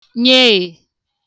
nyeē